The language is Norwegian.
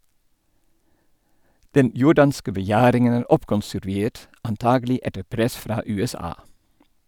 Den jordanske begjæringen er oppkonstruert, antagelig etter press fra USA.